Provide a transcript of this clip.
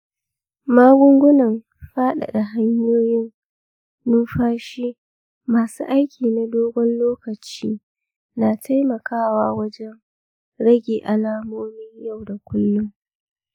magungunan faɗaɗa hanyoyin numfashi masu aiki na dogon lokaci na taimakawa wajen rage alamomin yau da kullum.